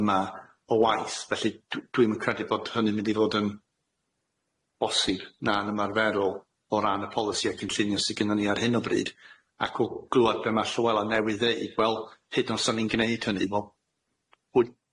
yma o waith felly dw- dwi'm yn credu bod hynny'n mynd i fod yn bosib na'n ymarferol o ran y polisi a cynllunio sy gynnon ni ar hyn o bryd acw- glwad be' ma' Llywela newydd ddeud wel hyd yn o's o'n i'n gneud hynny wel pwy